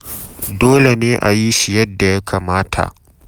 Dole ne a yi shi yadda ya kamata.